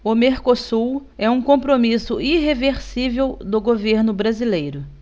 o mercosul é um compromisso irreversível do governo brasileiro